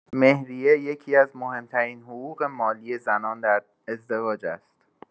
مهریه یکی‌از مهم‌ترین حقوق مالی زنان در ازدواج است.